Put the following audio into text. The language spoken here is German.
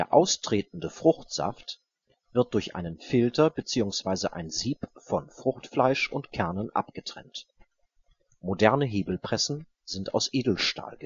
austretende Fruchtsaft wird durch einen Filter beziehungsweise ein Sieb von Fruchtfleisch und Kernen abgetrennt. Moderne Hebelpressen sind aus Edelstahl